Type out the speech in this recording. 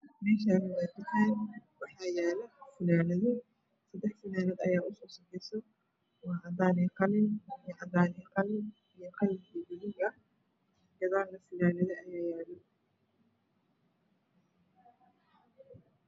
Meeshaan waa tukaan waxaa yaalo fanaanado .seddex fanaanad ayaa u sukeyso waa cadaan iyo qalin, cadaan iyo qalin biyo biyo ah gadaalna fanaanado ayaa yaalo.